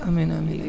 amiin amiin amiin